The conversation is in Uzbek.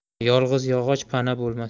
yolg'iz yog'och pana bo'lmas